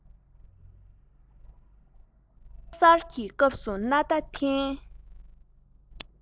ཕོ གསར གྱི སྐབས སུ སྣ ཐ འཐེན